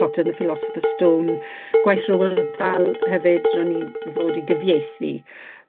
Potter an' the Philosopher's Stone gwaith Roald Dahl hefyd ro'n i fod i gyfieithu.